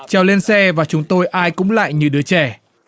trèo lên xe và chúng tôi ai cũng lại như đứa trẻ